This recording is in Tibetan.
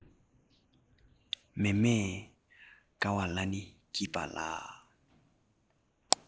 མཱེ མཱེ དགའ བ ལ ནི སྐྱིད པ ལ